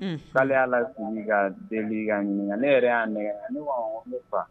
K'ale y'a lasigi ka delili kɛ k'a ɲininka ne yɛrɛ y'a mɛn ne awɔ ne fa